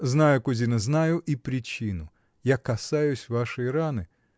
— Знаю, кузина, знаю и причину: я касаюсь вашей раны.